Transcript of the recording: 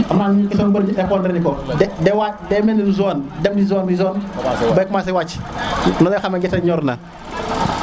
amana ñu bëri comprendre ñu ko dey wat dey melni lu jaune ben jaune i jaune bey commencer wac nonu ngay xame ne gerte gi ñor na